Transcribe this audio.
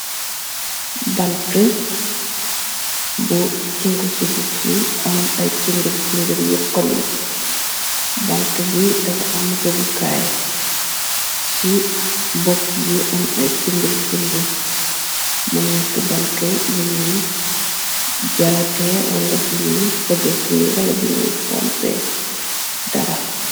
Banti bu sungu ci bukki am ay cimbir cimbir yu xëlle. Banti bi dafa am gëbukaay ci bopp bi am ay cimbir cimbir. Mu nekk banti bu ñuul jarate wala bu ñuul, xogësi wala bu ñuul fompe dara.